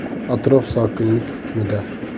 atrof sokinlik hukmida